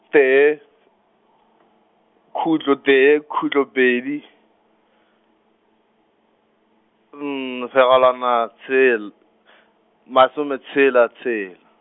tee , khutlo tee, khutlo pedi, fegelwana tshel- , masome tshela tshela.